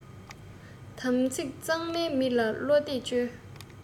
དམ ཚིག གཙང མའི མི ལ བློ གཏད བཅོལ